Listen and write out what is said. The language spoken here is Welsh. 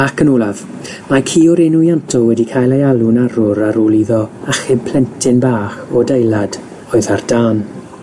Ac yn olaf, mae ci o'r enw Ianto, wedi cael ei alw'n arwr ar ôl iddo achub plentyn bach o adeilad oedd ar dân.